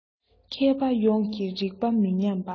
མཁས པ ཡོངས ཀྱི རིག པ མི ཉམས པ